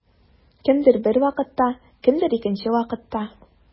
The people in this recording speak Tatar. Кемдер бер вакытта, кемдер икенче вакытта.